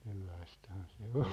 sellaistahan se oli